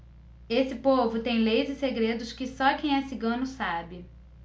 esse povo tem leis e segredos que só quem é cigano sabe